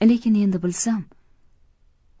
lekin endi bilsam